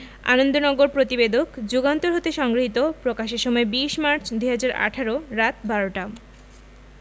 আনন্দনগর প্রতিবেদক যুগান্তর হতে সংগৃহীত প্রকাশের সময় ২০মার্চ ২০১৮ রাত ১২:০০ টা